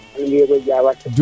nam nu mbiyi Diawa